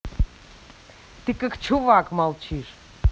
ты как чувак молчишь